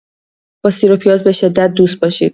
با سیر و پیاز به‌شدت دوست باشید.